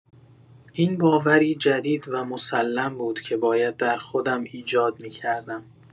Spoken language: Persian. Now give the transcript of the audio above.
این باوری جدید و مسلم بود که باید در خودم ایجاد می‌کردم.